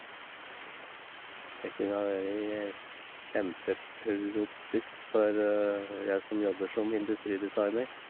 Det kunne ha vøri et kjempeprodukt for jeg som jobber som industridesigner.